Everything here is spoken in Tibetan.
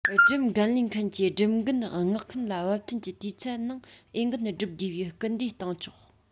སྒྲུབ འགན ལེན མཁན གྱིས སྒྲུབ འགན མངགས མཁན ལ བབ མཐུན གྱི དུས ཚད ནང འོས འགན བསྒྲུབ དགོས པའི སྐུལ འདེད བཏང ཆོག